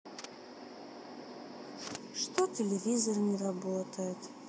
что телевизор не работает